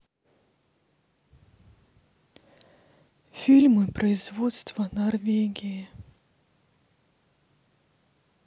фильмы производства норвегии